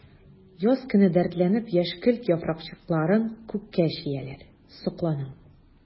Яз көне дәртләнеп яшькелт яфракчыкларын күккә чөяләр— сокланам.